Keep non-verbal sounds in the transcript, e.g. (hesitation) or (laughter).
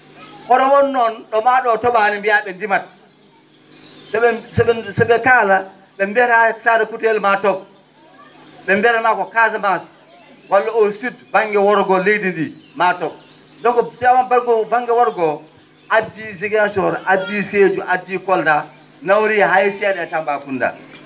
kono on noon ?o maa ?oo to?aani mbiyaa ?e dimat so?e so?e kaala ?e biyataa Sare Koutayel maa to? ?e mbiyatamaa ko Casamance walla au sud ba?nge worgo leydi ndi maa to? donc (hesitation) ba?nge worgo addi Ziguinchor addi Sédiou addi Kolda nawori hay see?a e Tambacounda